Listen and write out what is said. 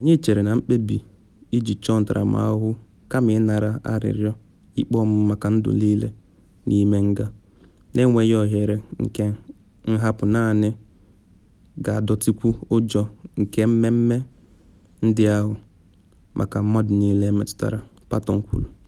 “Anyị chere na mkpebi iji chọọ ntaramahụhụ ọnwụ kama ịnara arịrịọ ikpe ọmụma maka ndụ niile n’ime nga na enweghị ohere nke nhapụ naanị ga-adọtịkwu ụjọ nke mmemme ndị ahụ maka mmadụ niile emetụtara,” Patton kwuru.